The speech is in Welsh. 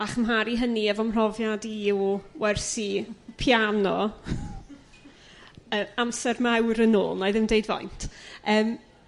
a chymharu hynny efo'm mhrofiad i o wersi piano yrr amser mawr yn ôl 'na'i ddim deud faint yrm.